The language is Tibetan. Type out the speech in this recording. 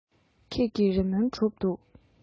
ཁྱེད ཀྱི རེ སྨོན སྒྲུབ འདུག